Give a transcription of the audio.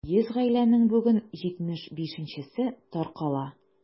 100 гаиләнең бүген 75-е таркала.